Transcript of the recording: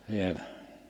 siellä